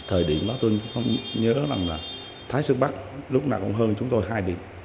thời điểm đó tôi không nhớ rằng là thái sơn bắc lúc nào cũng hơn chúng tôi hai điểm